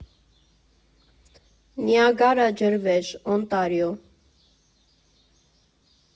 Նիագարա ջրվեժ, Օնտարիո։